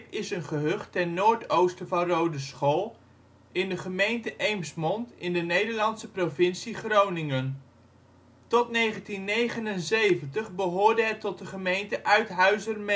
is een gehucht ten noordoosten van Roodeschool in de gemeente Eemsmond in de Nederlandse provincie Groningen. Tot 1979 behoorde het tot de gemeente Uithuizermeeden. Het